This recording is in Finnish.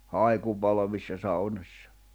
haikupalvissa saunoissa